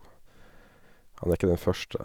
Han er ikke den første.